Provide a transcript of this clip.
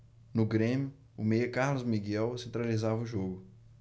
no grêmio o meia carlos miguel centralizava o jogo